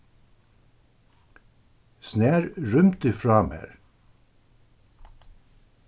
snar rýmdi frá mær